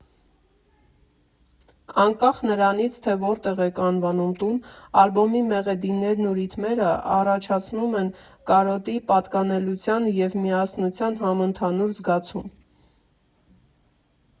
Անկախ նրանից, թե որտեղ եք անվանում տուն, ալբոմի մեղեդիներն ու ռիթմերը առաջացնում են կարոտի, պատկանելության և միասնության համընդհանուր զգացում։